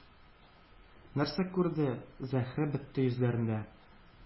Нәрсә күрде?! — Зәһре бетте йөзләрендә,